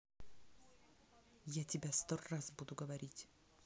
я тебя сто раз буду говорить